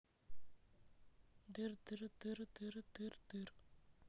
дыр дыр дыр дыр дыр